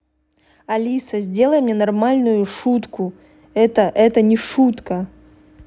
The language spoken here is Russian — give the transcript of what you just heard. алиса сделай мне нормальную шутку это это не шутка